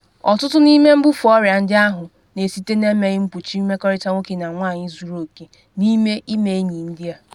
Ọtụtụ n’ime mbufe ọrịa ndị ahụ na esite na-emeghị mkpuchi mmekọrịta nwoke na nwanyị zuru oke n’ime ịme enyi ndị a.